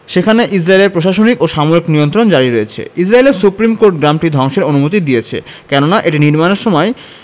সেখানে ইসরাইলের প্রশাসনিক ও সামরিক নিয়ন্ত্রণ জারি রয়েছে ইসরাইলের সুপ্রিম কোর্ট গ্রামটি ধ্বংসের অনুমতি দিয়েছে কেননা এটি নির্মাণের সময়